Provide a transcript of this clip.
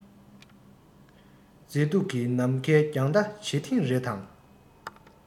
མཛེས སྡུག གི ནམ མཁའི རྒྱང ལྟ བྱེད ཐེངས རེ དང